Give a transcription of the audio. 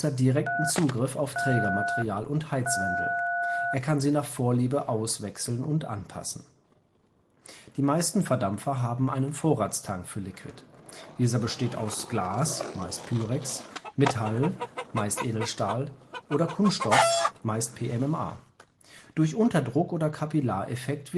direkten Zugriff auf Trägermaterial und Heizwendel. Er kann sie nach Vorliebe auswechseln und anpassen. Die meisten Verdampfer haben einen Vorratstank für Liquid. Dieser besteht aus Glas (meist Pyrex), Metall (meist Edelstahl) oder Kunststoff (meist PMMA). Durch Unterdruck oder Kapillareffekt